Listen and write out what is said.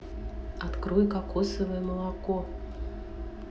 открой кокосовое молоко